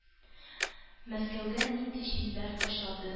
Мәскәүгә нинди җилләр ташлады?